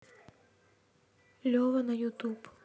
лева на ютуб